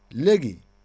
léegi